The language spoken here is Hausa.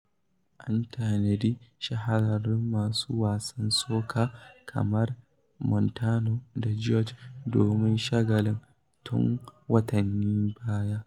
An tanadi shahararrun masu wasan soca kamar Montano da George domin shagalin tun watannin baya.